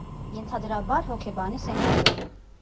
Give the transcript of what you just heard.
Ենթադրաբար՝ հոգեբանի սենյակում։